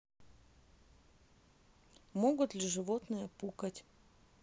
могут ли животные пукать